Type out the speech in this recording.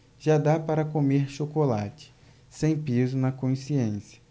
já dá para comer chocolate sem peso na consciência